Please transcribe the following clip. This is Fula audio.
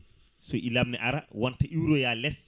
so ilam ne ara wonta iwroya less